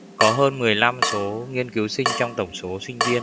có hơn mười lăm số nghiên cứu sinh trong tổng số sinh viên